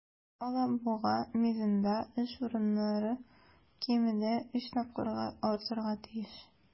"алабуга" мизында эш урыннары кимендә өч тапкырга артарга тиеш.